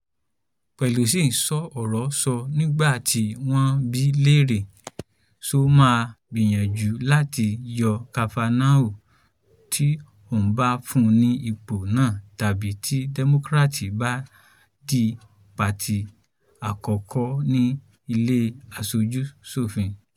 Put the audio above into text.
Pelosi ṣọ́ ọ̀rọ̀ sọ nígbà tí wọ́n bíi léèrè ṣó máa gbìyànjú láti yọ Kavanaugh t’ọ́n bá fun ní ipò náà tàbí tí Democrats bá di pátì àkọ́kọ́ ni Ile Aṣojú-ṣòfin